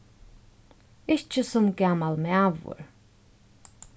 ikki sum gamal maður